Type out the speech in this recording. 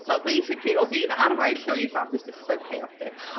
So basically, oedd fi’n arwain llwyfan, this is so chaotic.